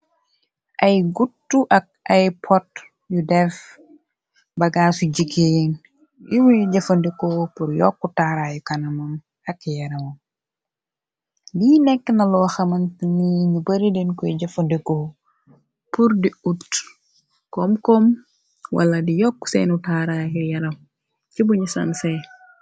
Ay guttu ak ay pot yu def bagaasu jigeen yumuy jëfandikoo pur yokku taaraayu kanamoon ak yaramo di nekk na loo xamant ni ñu bare deen koy jëfandikoo pur di ut koom koom wala di yokk seenu taaraayu yaram ci buñu san see.